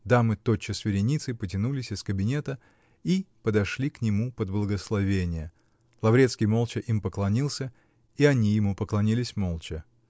дамы тотчас вереницей потянулись из кабинета и подошли к нему под благословение Лаврецкий молча им поклонился и они ему поклонились молча.